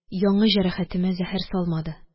Яңы җәрәхәтемә зәһәр салмады